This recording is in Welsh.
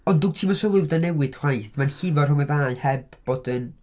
Ond dwyt ti ddim yn sylwi bod o'n newid chwaith, mae o'n llifo rhwng y ddau heb bod yn...